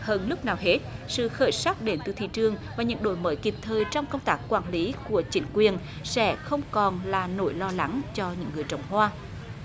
hơn lúc nào hết sự khởi sắc để từ thị trường và những đổi mới kịp thời trong công tác quản lý của chính quyền sẽ không còn là nỗi lo lắng cho những người trồng hoa